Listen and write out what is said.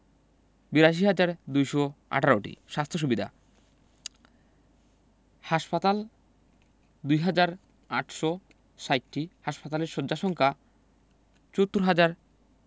৮২হাজার ২১৮টি স্বাস্থ্য সুবিধাঃ হাসপাতাল ২হাজার ৮৬০টি হাসপাতালের শয্যা সংখ্যা ৭৪হাজার